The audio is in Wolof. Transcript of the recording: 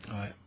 oui